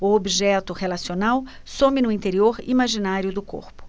o objeto relacional some no interior imaginário do corpo